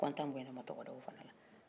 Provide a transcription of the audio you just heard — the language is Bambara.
content bonyana u ma tɔgɔ d'o fɛnɛ na